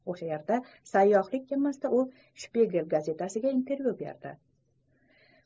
o'sha yerda sayyohlik kemasida u shpigel gazetasiga interv'yu berdi